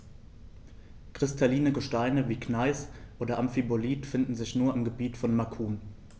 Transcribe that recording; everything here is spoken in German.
Kristalline Gesteine wie Gneis oder Amphibolit finden sich nur im Gebiet von Macun.